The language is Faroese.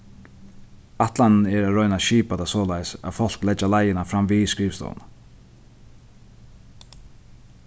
ætlanin er at royna at skipa tað soleiðis at fólk leggja leiðina fram við skrivstovuna